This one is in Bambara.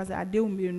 Parce denw bɛ yen nɔ